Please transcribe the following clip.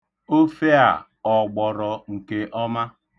Ofe a, ọ gbọrọ nke ọma?